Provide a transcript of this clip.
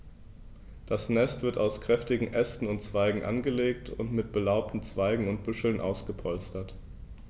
Das Nest wird aus kräftigen Ästen und Zweigen angelegt und mit belaubten Zweigen und Büscheln ausgepolstert.